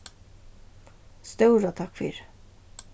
stóra takk fyri